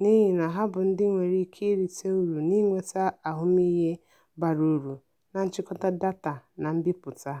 n'ihi na ha bụ ndị nwere ike irite uru n'inweta ahụmihe bara uru na nchịkọta data na mbipụta.